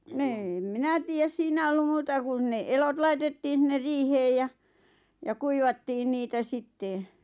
niin en minä tiedä siinä ollut muuta kuin ne elot laitettiin sinne riiheen ja ja kuivattiin niitä sitten